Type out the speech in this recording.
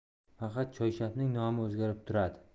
faqat choyshabning nomi o'zgarib turadi